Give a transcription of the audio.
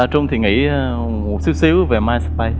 trung thì nghĩ một xíu xíu về mai sờ pây